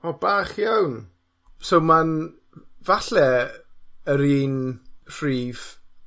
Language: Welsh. O bach iawn! So ma'n f- falle yr un rhif